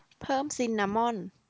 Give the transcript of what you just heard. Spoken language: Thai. เพิ่มซินนามอน